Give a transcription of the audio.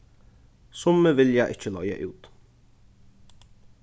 summi vilja ikki leiga út